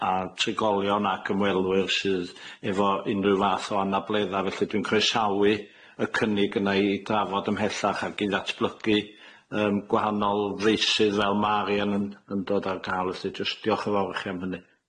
a'r trigolion ac ymwelwyr sydd efo unryw fath o anabledda', felly dwi'n croesawu y cynnig yna i drafod ymhellach ag i ddatblygu yym gwahanol feysydd fel ma' arian yn yn dod ar ga'l felly. Jyst diolch yn fawr i chi am hynny.